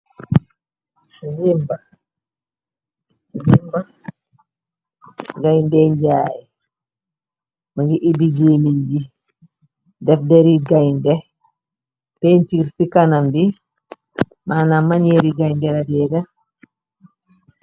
Zimba zimba gainde njie mongi epi geemen bi def deri gainde paintirr si kanam bi manam maneeri gainde la de def.